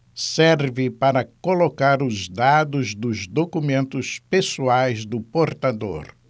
serve para colocar os dados dos documentos pessoais do portador